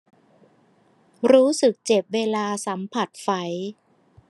รู้สึกเจ็บเวลาสัมผัสไฝ